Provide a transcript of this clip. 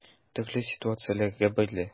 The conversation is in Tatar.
Төрле ситуацияләргә бәйле.